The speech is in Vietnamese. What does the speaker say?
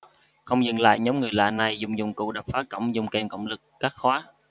không dừng lại nhóm người lạ này dùng dụng cụ đập phá cổng dùng kềm cộng lực cắt khóa